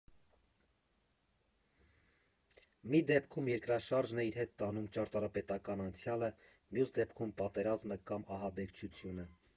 Մի դեպքում երկրաշարժն է իր հետ տանում ճարտարապետական անցյալը, մյուս դեպքում՝ պատերազմը կամ ահաբեկչությունը։